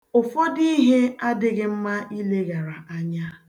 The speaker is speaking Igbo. Ụfọdụ ihe adịghị mma ileghara anya.